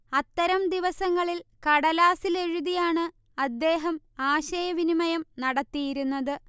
അത്തരം ദിവസങ്ങളിൽ കടലാസിൽ എഴുതിയാണ് അദ്ദേഹം ആശയവിനിമയം നടത്തിയിരുന്നത്